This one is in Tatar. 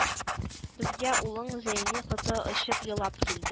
Безгә улың Зәйни коты очып елап килде